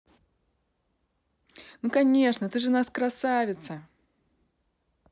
ну конечно ты же нас красавица